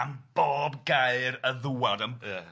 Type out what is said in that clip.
...'Am bob gair ar a ddywawd'... Ia